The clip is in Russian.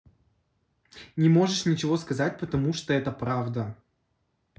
не можешь ничего сказать потому что это правда